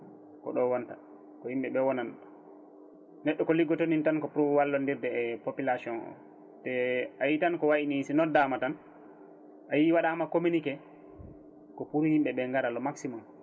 ko ɗo wonta ko yimɓeɓe wonanta neɗɗo ko liggoto ko miin tan pour wallodirde e population o te ayi tan ko wayni si noddama tan ayi waɗama communiqué ko pour yimɓeɓe gaara le maximum